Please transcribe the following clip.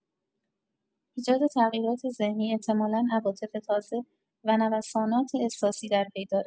ایجاد تغییرات ذهنی احتمالا عواطف تازه و نوسانات احساسی در پی دارد.